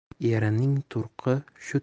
erining turqi shu